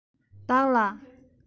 བདག ལ